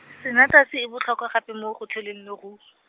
sanetasi e botlhokwa gape mo go tlholeng lehu- .